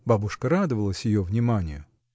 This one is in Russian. Бабушка радовалась ее вниманию.